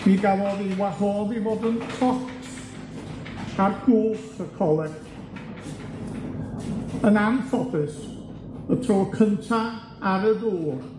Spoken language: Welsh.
mi gafodd 'i wahodd i fod yn coc ar gwch y coleg, yn anffodus, y tro cynta ar y ddŵr